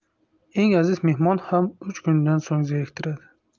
eng aziz mehmon ham uch kundan so'ng zeriktiradi